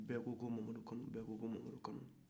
bɛɛ ko ko mamadukanu bɛɛ ko ko mamadukanu